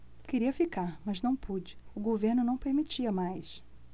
queria ficar mas não pude o governo não permitia mais